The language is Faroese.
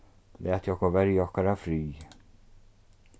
latið okkum verja okkara frið